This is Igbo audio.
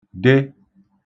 de